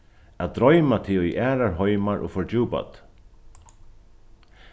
at droyma teg í aðrar heimar og fordjúpa teg